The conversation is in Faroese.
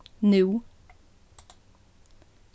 nú